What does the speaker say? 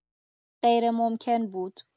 غیرممکن بود.